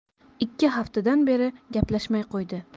ikki haftadan beri gaplashmay qo'ydi